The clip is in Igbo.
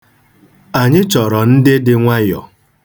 Anyị chọrọ ndị dị nwayọ.